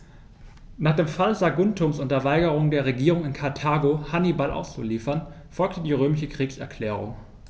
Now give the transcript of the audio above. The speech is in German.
Nach dem Fall Saguntums und der Weigerung der Regierung in Karthago, Hannibal auszuliefern, folgte die römische Kriegserklärung.